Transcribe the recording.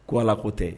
Ko Ala ko tɛ.